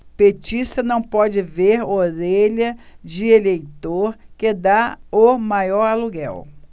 petista não pode ver orelha de eleitor que tá o maior aluguel